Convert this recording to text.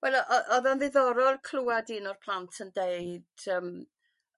Wel o- o- odd o'n ddiddorol clwad un o'r plant yn deud yym